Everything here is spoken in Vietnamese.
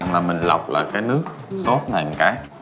mà mình lọc lại nước sốt này cái